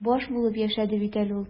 Баш булып яшәде бит әле ул.